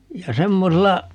ja semmoisella